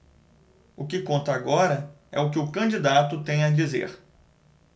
o que conta agora é o que o candidato tem a dizer